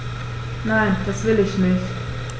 Nein, das will ich nicht.